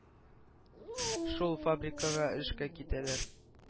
Шул фабрикага эшкә китәләр.